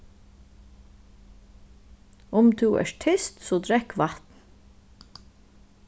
um tú ert tyst so drekk vatn